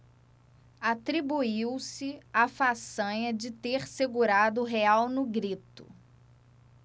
atribuiu-se a façanha de ter segurado o real no grito